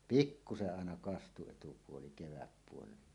pikkuisen aina kastui etupuoli kevätpuolella